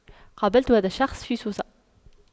قابلت هذا الشخص في سوسة